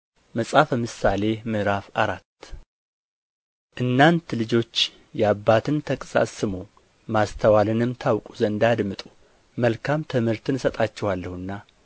መጽሐፈ ምሳሌ ምዕራፍ አራት እናንተ ልጆች የአባትን ተግሣጽ ስሙ ማስተዋልንም ታውቁ ዘንድ አድምጡ መልካም ትምህርትን እሰጣችኋለሁና